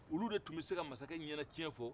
olu de tun bɛ se ka masakɛ ɲɛnatiɲɛ fɔ